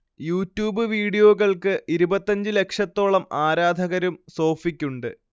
YouTube വീഡിയോകൾക്ക് ഇരുപത്തിയഞ്ച് ലക്ഷത്തോളം ആരാധകരും സോഫിക്കുണ്ട്